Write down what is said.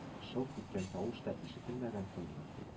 Шылт иткән тавыш та ишетелмәгән тынлык